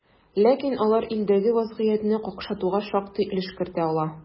Ләкин алар илдәге вазгыятьне какшатуга шактый өлеш кертә ала.